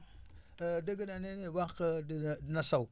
dégg naa nee nañ wànq dina dina saw